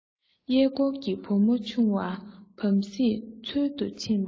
གཡས བསྐོར གྱིས བུ མོ ཆུང བ བམ སྲིད འཚོལ དུ ཕྱིན པར